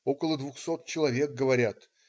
Около двухсот человек, говорят.